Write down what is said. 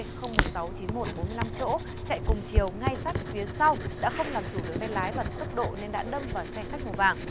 không một sáu chín một bốn mươi lăm chỗ chạy cùng chiều ngay sát phía sau đã không làm chủ được tay lái và tốc độ nên đã đâm vào xe khách màu vàng